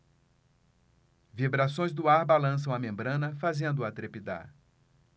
vibrações do ar balançam a membrana fazendo-a trepidar